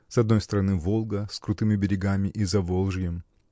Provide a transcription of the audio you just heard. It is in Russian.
С одной стороны Волга с крутыми берегами и Заволжьем